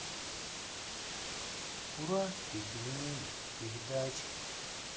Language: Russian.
уральские пельмени передача